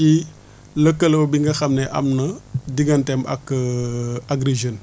ci lëkkaloo bi nga xam ne am na digganteem ak Agri Jeunes